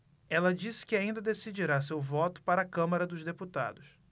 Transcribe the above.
ela disse que ainda decidirá seu voto para a câmara dos deputados